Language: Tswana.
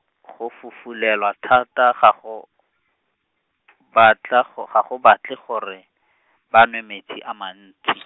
go fufulelwa thata ga go , batla ga go batle gore, ba nwe metsi a mantsi.